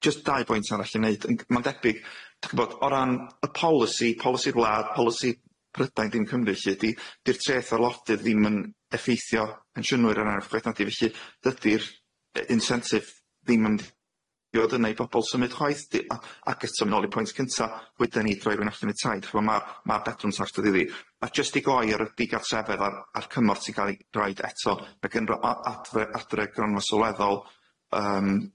Jyst dau boint arall i neud yn g- ma'n debyg d'ch'mod o ran y polisi polisi'r wlad, polisi Prydain, dim Cymru elly ydi di'r treth arlordydd ddim yn effeithio pensiynwyr yn enw'r gwaith nadi felly dydi'r yy incentive ddim yn ff- diodd yna i pobol symud chwaith di- a- agos t'o' myn' nôl i'r pwynt cynta wedyn i droi rywun allan i tai ch'mo' ma' ma' bedrwm ta'r stwdd iddi a jyst i goi ar y digartrefedd a'r a'r cymort sy'n ga'l i roid eto ma' gynro- A- Adre Adre gronfa sylweddol yym,